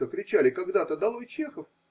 что кричали когда то долой че хов!